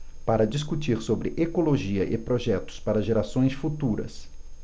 para discutir sobre ecologia e projetos para gerações futuras